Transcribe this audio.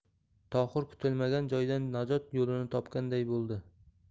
tohir kutilmagan joydan najot yo'lini topganday bo'ldi